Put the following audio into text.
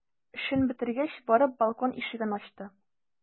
Эшен бетергәч, барып балкон ишеген ачты.